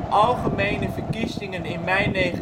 algemene verkiezingen in mei 1960